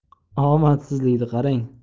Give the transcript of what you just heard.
omadsizlikni qarang